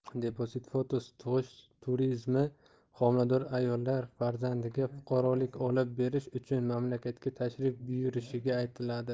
depositphotos tug'ish turizmi homilador ayollar farzandiga fuqarolik olib berish uchun mamlakatga tashrif buyurishiga aytiladi